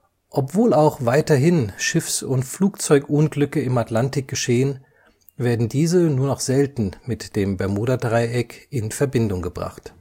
Obwohl auch weiterhin Schiffs - und Flugzeugunglücke im Atlantik geschehen, werden diese nur noch selten mit dem Bermudadreieck in Verbindung gebracht